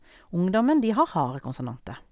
Ungdommen, de har harde konsonanter.